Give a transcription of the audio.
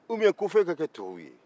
u biyɛn ko fɔ e ka kɛ tubabu ye